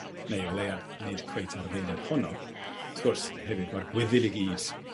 Neu o leia nid cweit ar yr eiliad honno. Wrth gwrs hefyd ma'r Gwyddyl i gyd